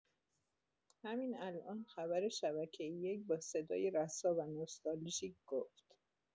همین الان خبر شبکۀ یک با صدای رسا و نوستالژیک گفت؛